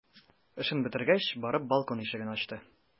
Эшен бетергәч, барып балкон ишеген ачты.